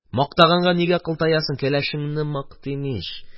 – мактаганга нигә кылтаясың, кәләшеңне мактыйм ич.